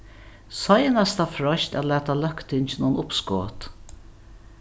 seinasta freist at lata løgtinginum uppskot